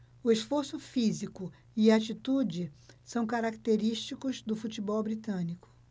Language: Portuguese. o esforço físico e a atitude são característicos do futebol britânico